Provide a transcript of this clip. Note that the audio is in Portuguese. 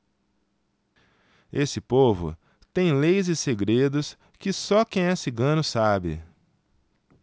esse povo tem leis e segredos que só quem é cigano sabe